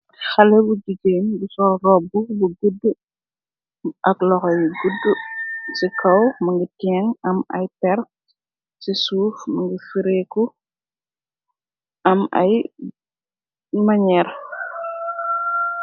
Xale bu jigéen bu sol robb bu guddu ak loxo yu gudd ci kaw ma ngi tiing am ay per ci suuf mangi fireeku am ay manyeer.